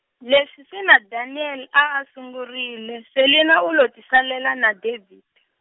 leswi se na Daniel a a sungurile, Selinah u lo tisalela na David.